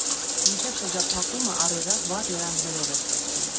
Մինչև շրջափակումը առօրյաս վառ երանգներով էր սկսվում։